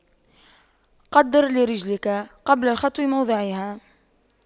قَدِّرْ لِرِجْلِكَ قبل الخطو موضعها